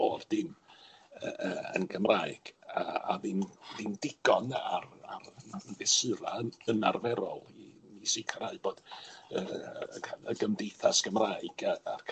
bob dim yy yy yn Gymraeg, a a ddim ddim digon ar ar ar fesurau ymarferol i i sicirhau bod yy yy y cy- y gymdeithas Gymraeg a ac